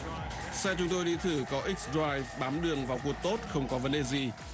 xe chúng tôi đi thử có ếch roai bám đường và bột tốt không có vấn đề gì